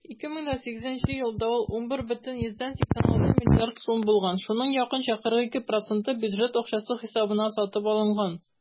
2008 елда ул 11,86 млрд. сум булган, шуның якынча 42 % бюджет акчасы хисабына сатып алынган.